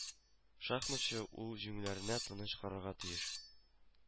Шахматчы үз җиңүләренә тыныч карарга тиеш